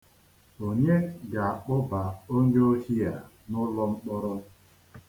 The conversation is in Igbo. Onye ga-akpụba onye ohi a n'ụlọ mkpọrọ?